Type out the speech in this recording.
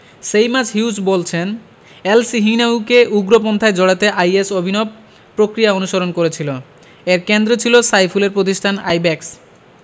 Seamus Hughes বলছেন এলসহিনাইউকে উগ্রপন্থায় জড়াতে আইএস অভিনব প্রক্রিয়া অনুসরণ করেছিল এর কেন্দ্রে ছিল সাইফুলের প্রতিষ্ঠান আইব্যাকস